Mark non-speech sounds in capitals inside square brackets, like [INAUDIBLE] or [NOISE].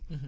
[HESITATION] [HESITATION]